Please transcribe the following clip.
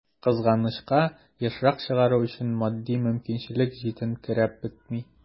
Кызганычка, ешрак чыгару өчен матди мөмкинчелек җитенкерәп бетми.